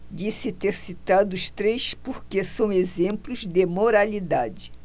disse ter citado os três porque são exemplos de moralidade